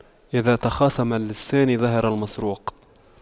إذا تخاصم اللصان ظهر المسروق